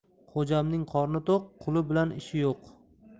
xo'jamning qorni to'q quli bilan ishi yo'q